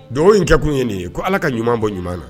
Dɔgɔ in kɛkun ye nin ye ko ala ka ɲuman bɔ ɲuman na